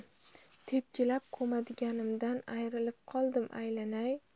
tepkilab ko'madiganimdan ayrilib qoldim aylanay